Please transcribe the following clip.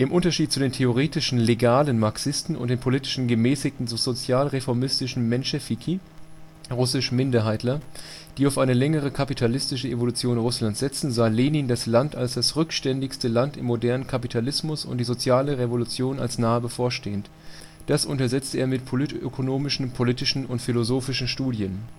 Unterschied zu den theoretischen „ legalen Marxisten “und den politisch gemäßigten sozialreformistischen Menschewiki (russisch: „ Minderheitler “), die auf eine längere kapitalistische Evolution Russlands setzten, sah Lenin das Land als das rückständigste Land im modernen Kapitalismus und die sozialistische Revolution als nahe bevorstehend. Das untersetzte er mit politökonomischen, politischen und philosophischen Studien